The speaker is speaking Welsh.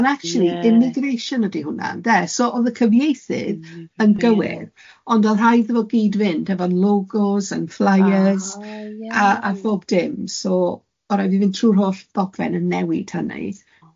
And actually, immigration ydy hwnna ynde? So oedd y cyfieithydd yn gywir, ond oedd rhaid iddo fo gyd fynd efo logos and flyers... Ah ie. ...a a bob dim, so oedd rhaid i fi fynd trwy'r holl dogfen yn newid hynny.